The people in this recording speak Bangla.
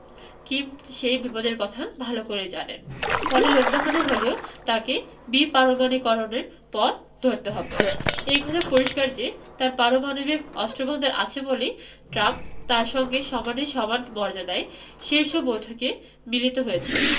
কিম সে বিপদের কথা ভালো করেই জানেন ফলে লোকদেখানো হলেও তাঁকে বিপারমাণবিকরণের পথ ধরতে হবে এ কথা পরিষ্কার যে তাঁর পারমাণবিক অস্ত্রভান্ডার আছে বলেই ট্রাম্প তাঁর সঙ্গে সমানে সমান মর্যাদায় শীর্ষ বৈঠকে মিলিত হয়েছেন